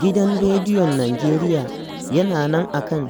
Gidan Rediyon Nijeriya yana nan akan